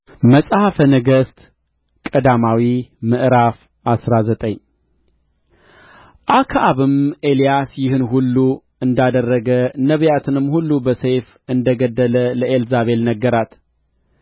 መጽሐፈ ነገሥት ቀዳማዊ ምዕራፍ አስራ ዘጠኝ አክዓብም ኤልያስ ይህን ሁሉ እንዳደረገ ነቢያትንም ሁሉ በሰይፍ እንደ ገደለ ለኤልዛቤል ነገራት